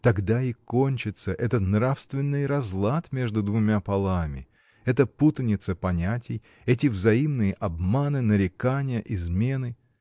Тогда и кончится этот нравственный разлад между двумя полами, эта путаница понятий, эти взаимные обманы, нарекания, измены!